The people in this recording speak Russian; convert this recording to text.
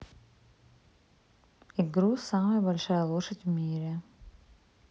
игру самая большая лошадь в мире